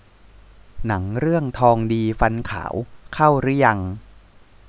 หนังเรื่องทองดีฟันขาวเข้ารึยัง